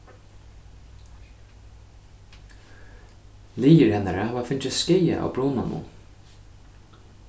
liðir hennara hava fingið skaða av brunanum